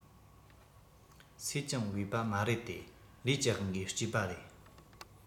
སུས ཀྱང བོས པ མ རེད དེ ལས ཀྱི དབང གིས སྐྱེས པ རེད